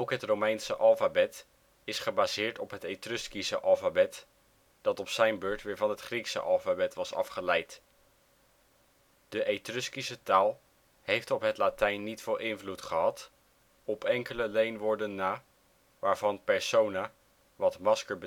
het Romeinse alfabet is gebaseerd op het Etruskische alfabet (dat op zijn beurt weer van het Griekse alfabet was afgeleid). De Etruskische taal heeft op het Latijn niet veel invloed gehad, op enkele leenwoorden na, waarvan persona (" masker